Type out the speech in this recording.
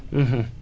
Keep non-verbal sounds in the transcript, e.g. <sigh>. <hesitation> <hesitation>